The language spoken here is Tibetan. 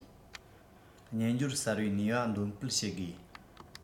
སྨྱན སྦྱོར གསར པའི ནུས པ འདོན སྤེལ བྱ དགོས